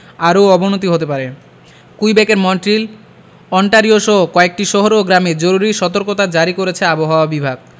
আরও অবনতি হতে পারে কুইবেকের মন্ট্রিল ওন্টারিওসহ কয়েকটি শহর ও গ্রামে জরুরি সতর্কতা জারি করেছে আবহাওয়া বিভাগ